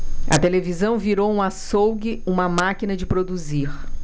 a televisão virou um açougue uma máquina de produzir